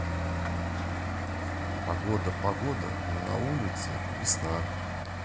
погода погода